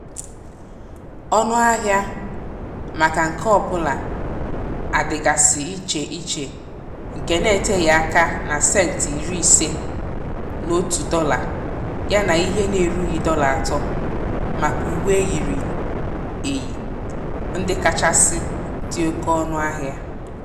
Ọnụ ahịa maka nke ọ bụla adịgasị iche ichenke n'eteghi aka na Sentị iri ise (50 cents) na otu Dọla ($1) ya na ihe na-erughi Dọla atọ ($3) maka uwe eyiri eyi ndị kachasị dị oke ọnụ ahia.